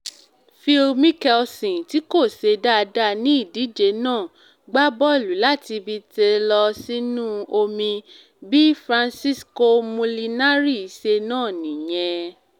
Phil Mickelson, tí kò ṣe dáadáa ní ìdíje náà, gbá bọ́ọ̀lù láti ibi tee lọ sínú omi. Bí Francesco Molinari ṣe nàá nìyẹn.